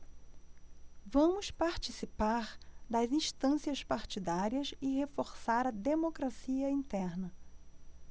vamos participar das instâncias partidárias e reforçar a democracia interna